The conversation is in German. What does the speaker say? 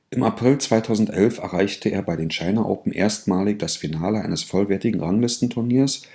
Im April 2011 erreichte er bei den China Open erstmalig das Finale eines vollwertigen Ranglistenturniers